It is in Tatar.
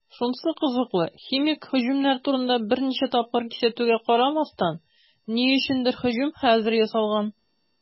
Шунысы кызыклы, химик һөҗүмнәр турында берничә тапкыр кисәтүгә карамастан, ни өчендер һөҗүм хәзер ясалган.